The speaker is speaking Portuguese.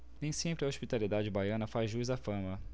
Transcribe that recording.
nem sempre a hospitalidade baiana faz jus à fama